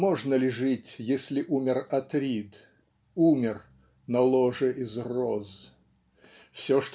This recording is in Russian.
Можно ли жить, если умер Атрид, Умер на ложе из роз? Все